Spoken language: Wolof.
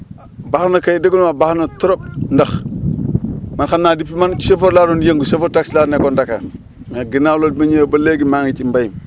baax na kay déggoo li ma la wax baax na trop ndax man xam naa depuis man chauffeur laa doon yëngu chauffeur taxi laa nekkoon Dakar mais ginnaaw loolu bi ma ñëwee ba léegi maa ngi ci mbéy mi